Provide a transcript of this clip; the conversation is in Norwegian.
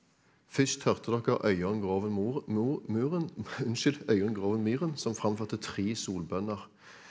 først hørte dere Øyonn Groven muren unnskyld Øyonn Groven Myhren som framførte tre solbønner.